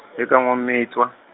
e ka Nwamitwa.